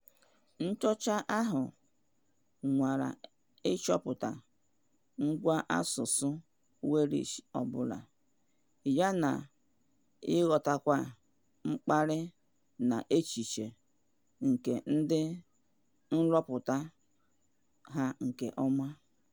Nchọcha ahụ nwara ịchọpụta ngwa asụsụ Welsh ọbụla, ya na ịghọtakwa mkpali na echiche nke ndị nrụpụta ha nke ọma.